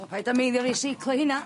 Wel paid â meiddio riseiclo heina.